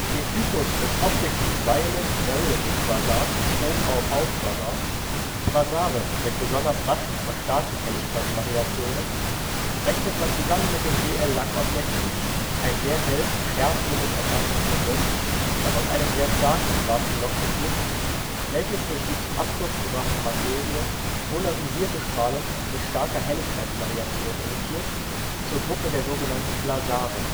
Den Typus des optically violent variable quasar / OVV quasar, Quasare mit besonders raschen und starken Helligkeitsvariationen, rechnet man zusammen mit den BL-Lac-Objekten, ein sehr hell, sternähnlich erscheinendes Objekt, das aus einem sehr starken schwarzen Loch besteht, welches durch die zum Absturz gebrachte Materie polarisierte Strahlung mit starker Helligkeitsvariation emittiert, zur Gruppe der sogenannten Blazare